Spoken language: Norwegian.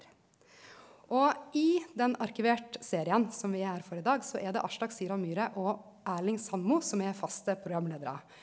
og i den Arkivert-serien som vi er her for i dag så er det Aslak Sira Myhre og Erling Sandmo som er faste programleiarar.